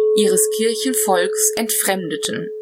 ihres Kirchenvolks entfremdeten